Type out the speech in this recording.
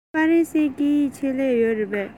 ཧྥ རན སིའི སྐད ཡིག ཆེད ལས ཡོད རེད པས